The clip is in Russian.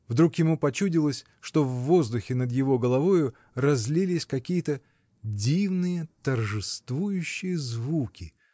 Вдруг ему почудилось, что в воздухе над его головою разлились какие-то дивные, торжествующие звуки